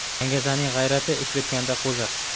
dangasaning g'ayrati ish bitganda qo'zir